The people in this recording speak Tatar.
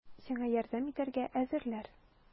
Сиңа ярдәм итәргә әзерләр!